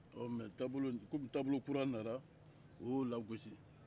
ɔɔ mɛ komi taabolo kura nana o y'o lagosi